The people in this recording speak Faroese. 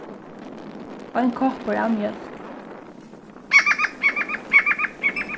ein koppur av mjólk